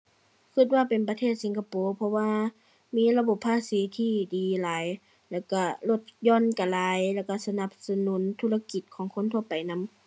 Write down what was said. คิดว่าเป็นประเทศสิงคโปร์เพราะว่ามีระบบภาษีที่ดีหลาย แล้วคิดลดหย่อนคิดหลาย แล้วคิดสนับสนุนธุรกิจของคนทั่วไปนำ